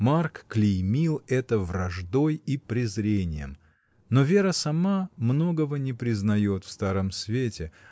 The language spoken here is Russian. Марк клеймил это враждой и презрением: но Вера сама многого не признает в Старом Свете.